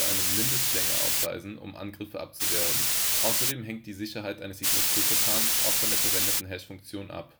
eine Mindestlänge aufweisen, um Angriffe abzuwehren. Außerdem hängt die Sicherheit eines Signaturverfahrens auch von der verwendeten Hashfunktion ab.